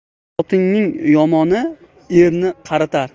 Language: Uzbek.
xotinning yomoni er qaritar